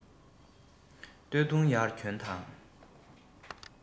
སྟོད འཐུང ཡར གྱོན དང